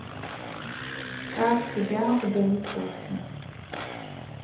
как тебя удали кошку